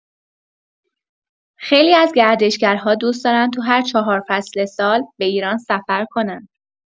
خیلی از گردشگرها دوست دارن تو هر چهار فصل سال به ایران سفر کنن